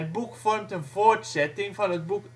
boek vormt een voortzetting van het boek